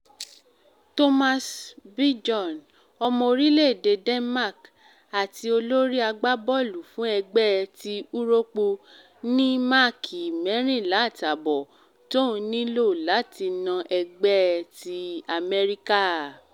Thomas Bjorn, ọmọ orílẹ̀-èdè Denmark àti olórí agbábọ́ọlù fún ẹgbẹ́ ti Úróópù ní máàkì 14.5 t’ọ́n nílò láti na ẹgbẹ́ ti Amẹ́ríkà.